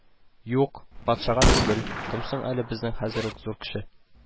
Юк, патшага түгел, кем соң әле безнең хәзер зур кеше